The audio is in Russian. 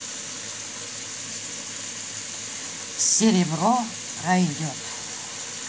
serebro пройдет